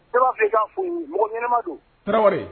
I b'a fɛ ka fo mɔgɔ ɲɛnamatu taraweleri